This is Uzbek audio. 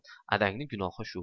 adangni gunohi shu